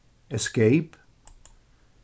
escape